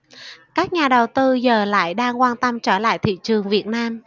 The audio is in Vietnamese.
các nhà đầu tư giờ lại đang quan tâm trở lại thị trường việt nam